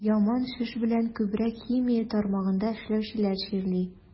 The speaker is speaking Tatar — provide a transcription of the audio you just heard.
Яман шеш белән күбрәк химия тармагында эшләүчеләр чирли.